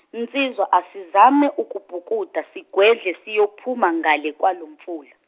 nsizwa asizame ukubhukuda sigwedle siyophuma ngale kwalo mfula.